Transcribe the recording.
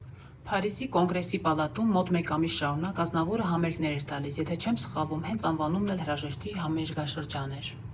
Փարիզի Կոնգրեսի պալատում, մոտ մեկ ամիս շարունակ Ազնավուրը համերգներ էր տալիս, եթե չեմ սխալվում՝ հենց անվանումն էլ «Հրաժեշտի համերգաշրջան» էր։